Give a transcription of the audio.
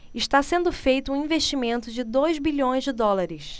está sendo feito um investimento de dois bilhões de dólares